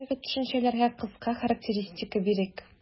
Әлеге төшенчәләргә кыскача характеристика бирик.